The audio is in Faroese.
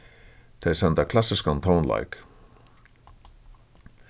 tey senda klassiskan tónleik